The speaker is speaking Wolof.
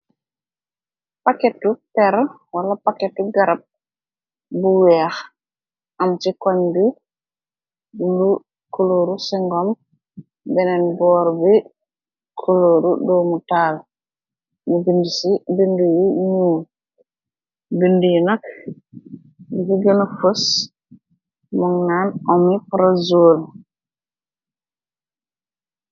Paketu per, wala paketu garab bu weex, am ci koñ bi lu kulooru singom, beneen boor bi kulooru doomutaal, nyu bind si bind yu ñuul, bind yi nak li ci gëna fos moo naan amiprasol.